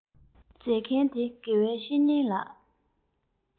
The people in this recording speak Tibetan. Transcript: མཛད མཁན དེ དགེ བའི བཤེས གཉེན ལགས